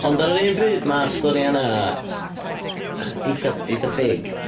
Ond ar yr un bryd, ma'r stori yna yy eitha eitha big.